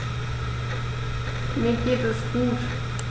Mir geht es gut.